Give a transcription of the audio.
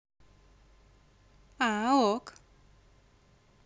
а ok